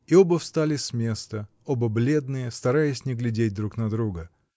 И оба встали с места, оба бледные, стараясь не глядеть друг на друга.